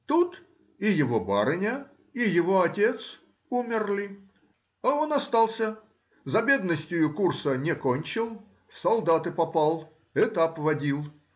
Тут и его барыня и его отец умерли, а он остался, за бедностию курса не кончил, в солдаты попал, этап водил.